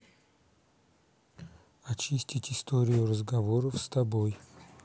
очистить историю разговоров с тобой